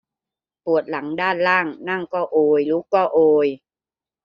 ปวดหลังด้านล่างนั่งก็โอยลุกก็โอย